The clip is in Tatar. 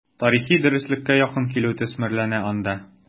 Тарихи дөреслеккә якын килү төсмерләнә анда.